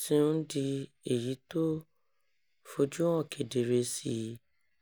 ti ń di èyí tó fojúhan kedere sí i.